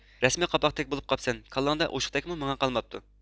رەسمىي قاپاقتەك بولۇپ قاپسەن كاللاڭدا ئوشۇقتەكمۇ مېڭەڭ قالماپتۇ